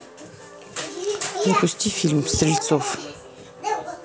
запусти фильм стрельцов